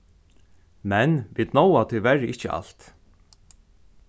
men vit náa tíverri ikki alt